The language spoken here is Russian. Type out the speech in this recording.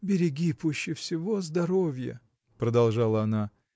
– Береги пуще всего здоровье, – продолжала она.